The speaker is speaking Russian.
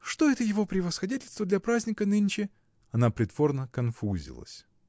что это его превосходительство для праздника нынче?. Она притворно конфузилась.